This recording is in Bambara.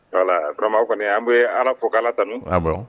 Wala, vriament o koni, an bɛ allah fo ka allah tanu